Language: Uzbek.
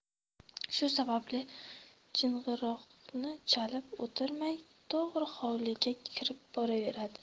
shu sababli jing'iroqni chalib o'tirmay to'g'ri hovliga kirib boraverardi